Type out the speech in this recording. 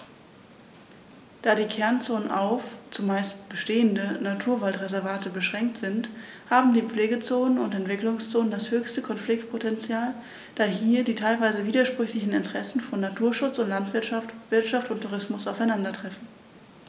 Da die Kernzonen auf – zumeist bestehende – Naturwaldreservate beschränkt sind, haben die Pflegezonen und Entwicklungszonen das höchste Konfliktpotential, da hier die teilweise widersprüchlichen Interessen von Naturschutz und Landwirtschaft, Wirtschaft und Tourismus aufeinandertreffen.